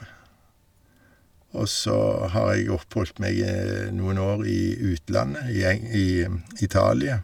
Og så har jeg oppholdt meg noen år i utlandet, i eng i Italia.